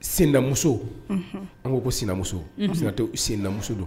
Sendamuso an ko ko sinamuso tɛ sendamuso don